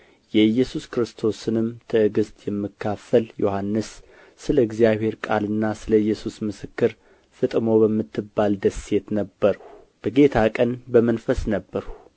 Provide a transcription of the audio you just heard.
የኢየሱስ ክርስቶስንም ትዕግሥት የምካፈል ዮሐንስ ስለ እግዚአብሔር ቃልና ስለ ኢየሱስ ምስክር ፍጥሞ በምትባል ደሴት ነበርሁ በጌታ ቀን በመንፈስ ነበርሁ